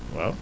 waaw